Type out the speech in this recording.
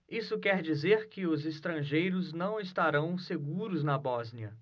isso quer dizer que os estrangeiros não estarão seguros na bósnia